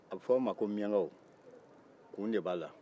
a bɛ fɔ anw ma ko miyankaw kun de b'a la